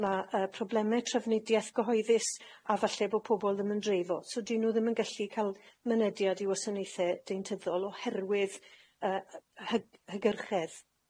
ma' yy probleme trafnidieth gyhoeddus, a falle bo' pobol ddim yn dreifo, so 'dyn nw ddim yn gallu ca'l mynediad i wasanaethe deintyddol oherwydd yy y hyg- hygyrchedd.